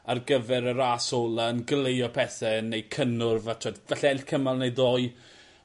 ar gyfer y ras ola yn goleuo pethe yn neu' cynnwrf a t'wod gall e ennill cymal neu ddoi